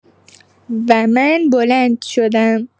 و من بلند شدم.